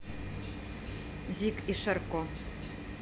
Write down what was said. зик и шарко